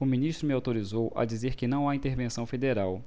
o ministro me autorizou a dizer que não há intervenção federal